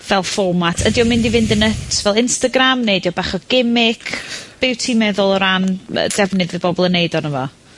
fel fformat ydi o'n mynd i fynd yn nyts fel Instagram, neu 'di o bach o gimmick? Be wt ti'n meddwl o ran m- y defnydd fydd bobol yn neud ono fo?